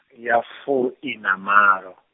ya fuiṋamalo .